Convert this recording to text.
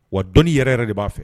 Wa dɔni yɛrɛ yɛrɛ de b'a fɛ